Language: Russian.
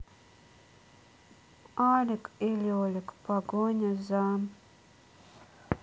алик и лелик погоня за